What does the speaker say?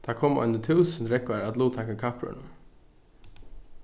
tað koma einir túsund rógvarar at luttaka í kappróðrinum